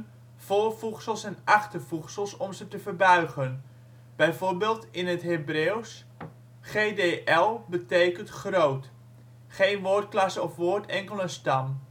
voorvoegsels en achtervoegsel om ze te verbuigen. Bijvoorbeeld, in het Hebreeuws: gdl betekent " groot " geen woordklasse of woord, enkel een stam